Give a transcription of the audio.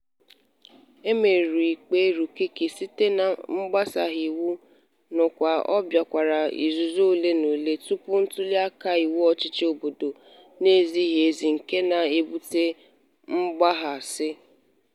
E merụrụ ikpe Rukiki site n'agbasoghị iwu nakwa ọ bịakwara izu ole na ole tupu ntuliaka iwu ọchịchị obodo n'ezighị ezi nke na-ebute mgbaghasị.